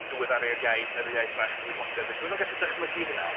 Diweddaru'r iaith, wneud yr iaith bach yn fwy modern, felly maen nhw'n gallu dychymygu hynna.